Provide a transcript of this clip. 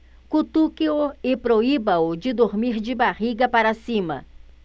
cutuque-o e proíba-o de dormir de barriga para cima